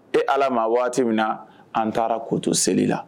E ala ma waati min na an taara koto seli la